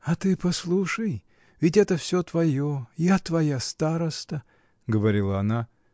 — А ты послушай: ведь это всё твое; я твой староста. — говорила она.